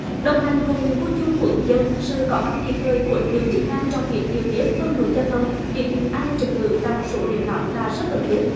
đồng hành cùng niềm vui chung của người dân sự có mặt kịp thời của lực lượng chức năng trong việc điều tiết phân luồng giao thông giữ gìn an ninh trật tự tại một số điểm nóng là rất cần thiết